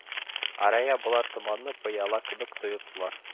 Гәрәйгә болар томанлы пыяла кебек тоелдылар